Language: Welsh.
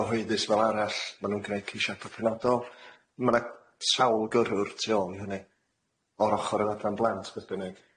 gyhoeddus fel arall ma' nw'n gneud ceisiadau penodol, ma' na sawl gyrrwr tu ôl i hynny o'r ochor o ddan blant beth bynnag.